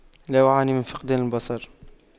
لا أعاني من فقدان البصر